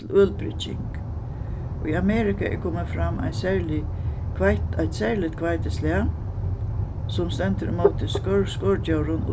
til ølbrygging í amerika er komið fram ein serlig eitt serligt hveitislag sum stendur ímóti skordjórum